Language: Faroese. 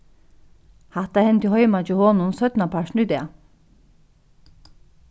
hatta hendi heima hjá honum seinnapartin í dag